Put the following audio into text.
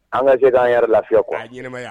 An ka jɛgɛ an yɛrɛ lafiya koya